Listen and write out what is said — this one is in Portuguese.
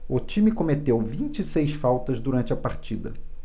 o time cometeu vinte e seis faltas durante a partida